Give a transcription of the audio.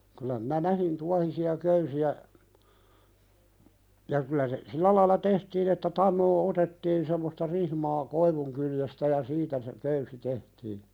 kyllä minä näihin tuohisia köysiä ja kyllä se sillä lailla tehtiin että tanoa otettiin semmoista rihmaa koivunkyljestä ja siitä se köysi tehtiin